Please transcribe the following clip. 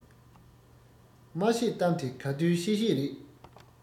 མ བཤད གཏམ དེ ག དུས བཤད བཤད རེད